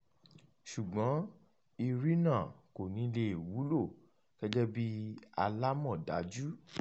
Ṣùgbọ́n Irina kò ní le è wúlò gẹ́gẹ́ bí alámọ̀dájú.